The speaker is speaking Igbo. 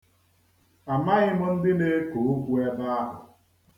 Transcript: Amaghị m ndị na-eko okwu ebe ahụ.